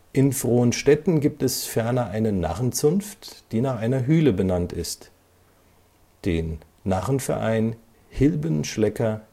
In Frohnstetten gibt es ferner eine Narrenzunft, die nach einer Hüle benannt ist: Den Narrenverein Hilbenschlecker